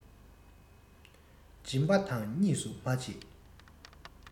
སྦྱིན པ དང གཉིས སུ མ མཆིས